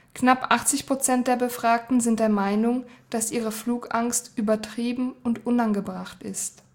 mittel bis stark. Viele sind der Meinung, dass ihre Flugangst übertrieben und unangebracht ist